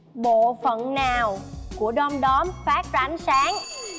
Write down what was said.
bộ phận nào của đom đóm phát ra ánh sáng